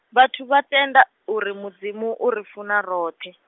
vhathu vhatenda uri, Mudzimu uri funa roṱhe.